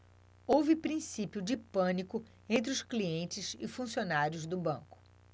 houve princípio de pânico entre os clientes e funcionários do banco